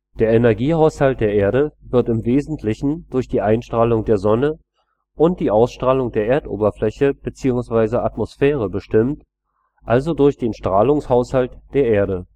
Der Energiehaushalt der Erde wird im Wesentlichen durch die Einstrahlung der Sonne und die Ausstrahlung der Erdoberfläche bzw. Atmosphäre bestimmt, also durch den Strahlungshaushalt der Erde